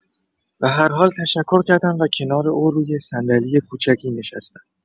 به هر حال تشکر کردم و کنار او روی صندلی کوچکی نشستم.